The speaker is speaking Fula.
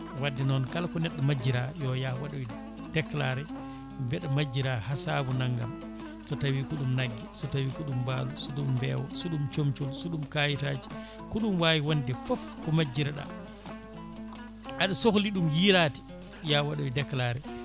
wadde noon kala ko neɗɗo majjira yo yaah waɗoya déclaré mbeɗa majjira ha sabu naggam so tawi ko ɗum naggue so tawi ko ɗum mbaalu so ɗum mbeewa so ɗum comcol so ɗum kayitaji ko ɗum wawi wonde foof ko majjireɗa aɗa sohli ɗum yiialde ya waɗoy déclaré